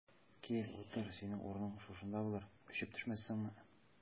Кил, утыр, синең урының шушында булыр, очып төшмәссеңме?